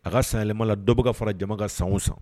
A ka sayayɛlɛma la dɔwbɔ ka fara jama ka san san